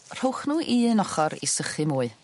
rhowch n'w un ochor i sychu mwy